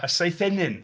A Seithenyn.